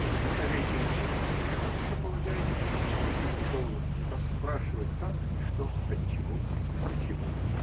Сидит на вечере чинно, делает, что полагается, и не приходит ему в голову расспрашивать, как и что. отчего и почему.